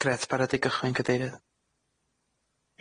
Grêt barod i gychwyn gadeirydd.